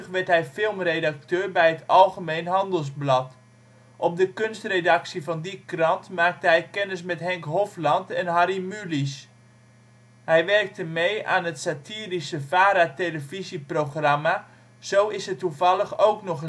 werd hij filmredacteur bij het Algemeen Handelsblad. Op de kunstredactie van die krant maakte hij kennis met Henk Hofland en Harry Mulisch. Hij werkte mee aan het satirische VARA televisieprogramma Zo is het toevallig ook nog